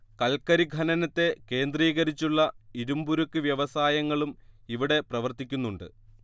കൽക്കരി ഖനനത്തെ കേന്ദ്രീകരിച്ചുള്ള ഇരുമ്പുരുക്ക് വ്യവസായങ്ങളും ഇവിടെ പ്രവർത്തിക്കുന്നുണ്ട്